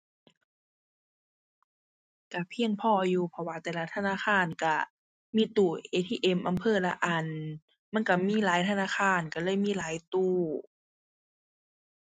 ก็เพียงพออยู่ เพราะว่าแต่ละธนาคารก็มีตู้ ATM อำเภอละอัน มันก็มีหลายธนาคารก็เลยมีหลายตู้